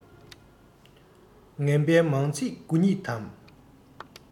ངན པའི མང ཚིག དགུ ཉིད དམ